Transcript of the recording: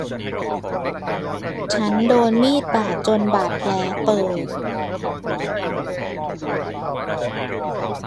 ฉันโดนมีดบาดจนบาดแผลเปิด